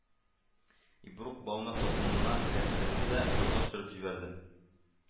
Ибрук бауны хатынына эләктерде дә базга төшереп җибәрде